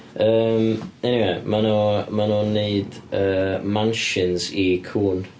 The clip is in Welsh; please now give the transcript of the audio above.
Yym eniwe maen nhw maen nhw'n wneud yy mansions i cŵn.